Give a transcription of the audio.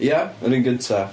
Ia, yr un gynta.